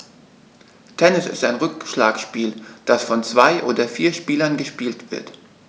Tennis ist ein Rückschlagspiel, das von zwei oder vier Spielern gespielt wird.